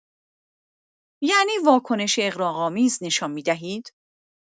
یعنی واکنش اغراق‌آمیز نشان می‌دهید.